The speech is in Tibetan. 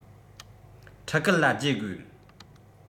ཕྲུ གུར ལ བརྗེ དགོས